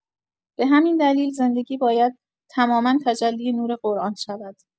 به همین دلیل زندگی باید تماما تجلی نور قرآن شود.